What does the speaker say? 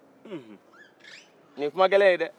uhun nin ye kuma gɛlɛn ye dɛɛ